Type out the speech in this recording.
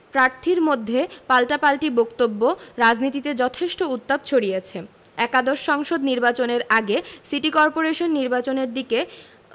প্রার্থীর মধ্যে পাল্টাপাল্টি বক্তব্য রাজনীতিতে যথেষ্ট উত্তাপ ছড়িয়েছে একাদশ সংসদ নির্বাচনের আগে সিটি করপোরেশন নির্বাচনের দিকে